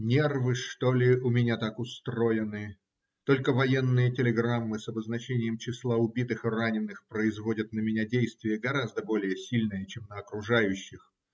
Нервы, что ли, у меня так устроены, только военные телеграммы с обозначением числа убитых и раненых производят на меня действие гораздо более сильное, чем на окружающих.